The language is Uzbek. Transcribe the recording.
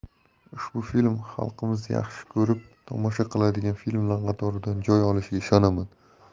ushbu film xalqimiz yaxshi ko'rib tomosha qiladigan filmlar qatoridan joy olishiga ishonaman